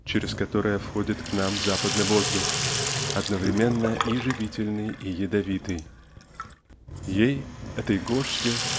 через которое входит к нам западный воздух одновременно и живительный и ядовитый. Ей этой горсти